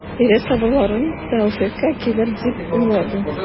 Ире сабырланыр, тәүфыйкка килер дип уйлады.